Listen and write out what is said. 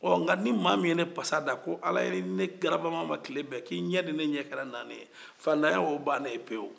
nga ni mɔgɔ min ne pasa da ko alla ye garabamama n'e tile bɛn k'e ɲɛ ni ne ɲɛ kɛra kelen ye faantanya o bannen pewu